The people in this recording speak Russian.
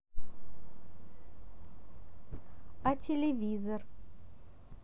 а телевизор